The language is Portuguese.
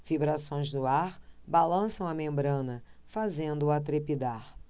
vibrações do ar balançam a membrana fazendo-a trepidar